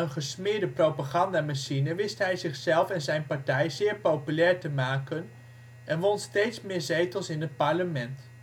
gesmeerde propagandamachine wist hij zichzelf en zijn partij zeer populair te maken en won steeds meer zetels in het parlement. In januari